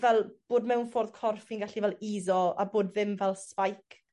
Fel bod mewn ffordd corff fi'n gallu fel îso a bod ddim fel spike